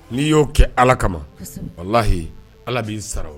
N'i y'o kɛ ala kama wala layi ala b'i sara